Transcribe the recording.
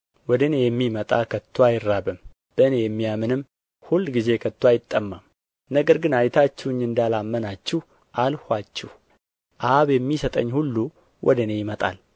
ወደ እኔ የሚመጣ ከቶ አይራብም በእኔ የሚያምንም ሁልጊዜ ከቶ አይጠማም ነገር ግን አይታችሁኝ እንዳላመናችሁ አልኋችሁ አብ የሚሰጠኝ ሁሉ ወደ እኔ ይመጣል